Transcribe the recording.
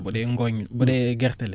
bu dee ngooñ bu dee gerte la